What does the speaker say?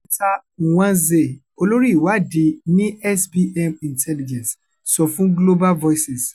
Cheta Nwanze, Olórí Ìwádìí ní SBM Intelligence sọ fún Globa Voices: